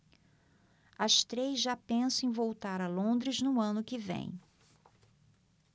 as três já pensam em voltar a londres no ano que vem